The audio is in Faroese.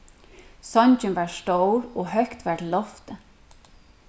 songin var stór og høgt var til loftið